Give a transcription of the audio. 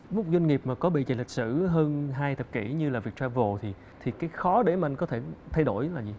doanh nghiệp mà có bề dày lịch sử hơn hai thập kỷ như là việt tre vồ thì thì cái khó để mình có thể thay đổi là gì